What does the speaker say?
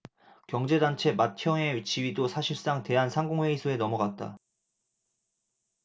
경제단체 맏형의 지위도 사실상 대한상공회의소에 넘어갔다